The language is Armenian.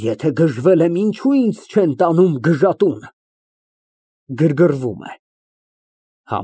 Եթե գժվել եմ, ինչո՞ւ չեն ինձ գժատուն տանում (Գրգռվում է)։